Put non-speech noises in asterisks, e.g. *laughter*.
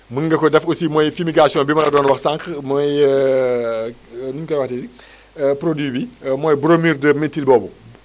mën nga ko def aussi mooy fumigation bi ma la doon wax sànq mooy *hesitation* nu ñu koy waxeeti produit bi mooy bromure de méthyle boobu